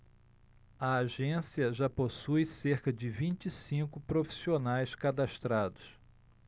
a agência já possui cerca de vinte e cinco profissionais cadastrados